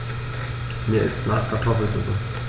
Mir ist nach Kartoffelsuppe.